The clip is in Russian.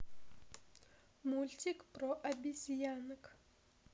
мультик про обезьянок